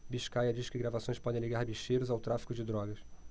biscaia diz que gravações podem ligar bicheiros ao tráfico de drogas